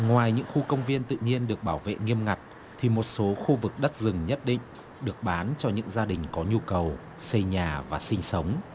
ngoài những khu công viên tự nhiên được bảo vệ nghiêm ngặt thì một số khu vực đất rừng nhất định được bán cho những gia đình có nhu cầu xây nhà và sinh sống